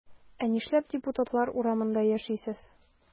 Ә нишләп депутатлар урамында яшисез?